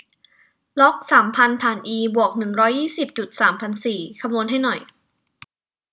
ล็อกสามพันฐานอีบวกหนึ่งร้อยยี่สิบจุดสามพันสี่คำนวณให้หน่อย